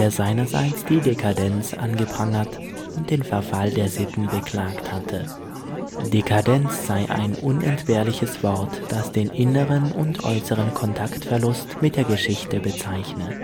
seinerseits die Dekadenz angeprangert und den Verfall der Sitten beklagt hatte. „ Dekadenz “sei ein unentbehrliches Wort, das den inneren und äußeren Kontaktverlust mit der Geschichte bezeichne